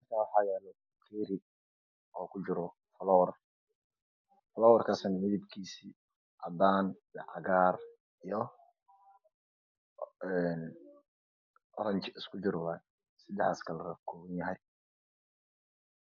Meshan waxayalo bakeri kujiro falawar falwarkas midabkis cadsn io cagar io oraji isku jiro waayay sedaxdas kalara oo kakoban yahay